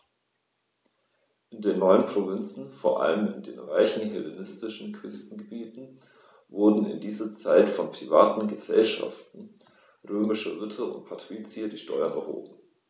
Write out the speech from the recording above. In den neuen Provinzen, vor allem in den reichen hellenistischen Küstenregionen, wurden in dieser Zeit von privaten „Gesellschaften“ römischer Ritter und Patrizier die Steuern erhoben.